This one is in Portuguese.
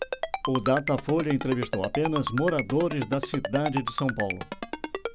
o datafolha entrevistou apenas moradores da cidade de são paulo